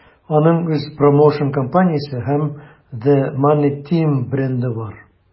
Аның үз промоушн-компаниясе һәм The Money Team бренды бар.